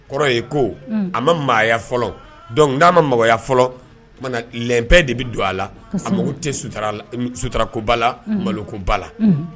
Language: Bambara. Kɔrɔ ye ko a ma maaya fɔlɔ a ma mɔgɔya fɔlɔ lɛn de bɛ don a la a mago tɛ sukoba la malokoba